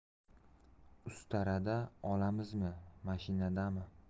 ustarada olamizmi mashinadami